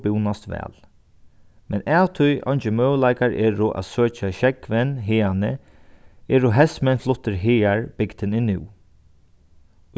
búnast væl men av tí eingir møguleikar eru at søkja sjógvin haðani eru hestmenn fluttir hagar bygdin er nú